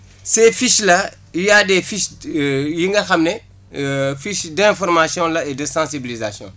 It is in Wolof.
ces fiches là y' a des fiches yi nga xam ne fiche d' information la et de sensibilisation